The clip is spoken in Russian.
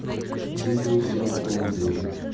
видео где уколы делают